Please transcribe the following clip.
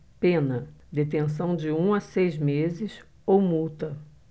pena detenção de um a seis meses ou multa